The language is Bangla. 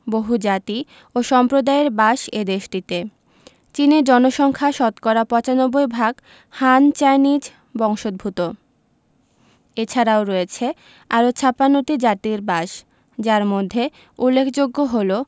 বহুজাতি ও সম্প্রদায়ের বাস এ দেশটিতে চীনের জনসংখ্যা শতকরা ৯৫ ভাগ হান চাইনিজ বংশোদূত এছারাও রয়েছে আরও ৫৬ টি জাতির বাস যার মধ্যে উল্লেখযোগ্য হলো